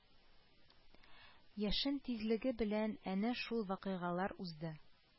Яшен тизлеге белән әнә шул вакыйгалар узды